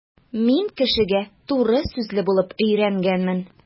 Мин кешегә туры сүзле булып өйрәнгәнмен.